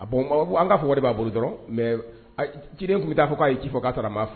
K'a fɔ wari b'a bolo dɔrɔn mais cigen tun bɛ ta' fɔ k'a ye ci fɔ k'a sɔrɔ m'a fɔ mais